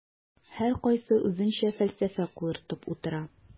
Һәркайсы үзенчә фәлсәфә куертып утыра.